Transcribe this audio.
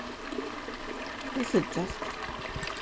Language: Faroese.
vit síggjast